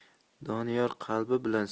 doniyor qalbi bilan